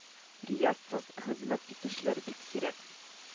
Риясыз хезмәт итүчеләр бик сирәк